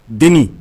Den